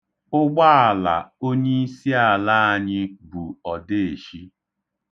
Ụgbaala onyiisiala anyị bu ọdeeshi.